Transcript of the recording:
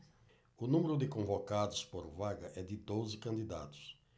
o número de convocados por vaga é de doze candidatos